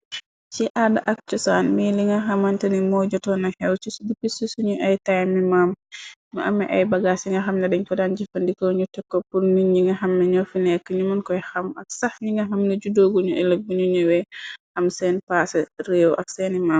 Ci aada ak cosaan mii li nga xamanta ni moo jotoo na xew cis di pis suñu ay tayni maam mu ame ay bagaas ci nga xamna dañ ko daan jëfandiko ñu tekko pur nit ñi nga xamna ñoofi nekk ñu mën koy xam ak sax ñi nga xamni judoogu ñu elëk buñu ñowe xam seen paas réew ak seenimaam.